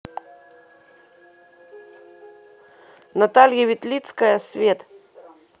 наталья ветлицкая свет